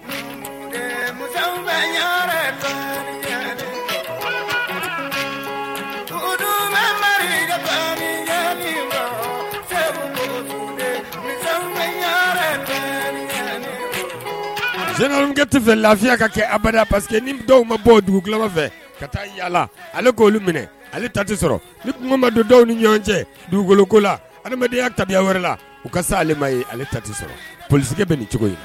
Senkɛ tɛ lafiya ka kɛ a paseke ni dɔw ma bɔ o dugula fɛ ka taa yalala ale k ko olu minɛ ale tati sɔrɔ ni mamadudenw ni ɲɔgɔn cɛ dugukolo ko la adamadenya tabiya wɛrɛ la u ka se ale ma ye ale tati sɔrɔ poli bɛ ni cogo ye